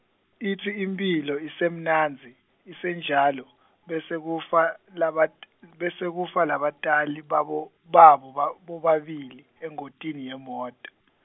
itsi imphilo isemnandzi, isenjalo, bese kufa, labat-, bese kufa labatali babo, babo ba bobabili, engotini yemoto.